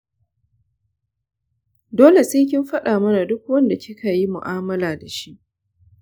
dole sai kin fada mana duk wanda kikayi mu'amala dashi.